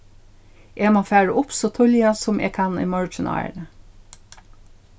eg má fara upp so tíðliga sum eg kann í morgin árini